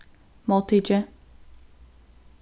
móttikið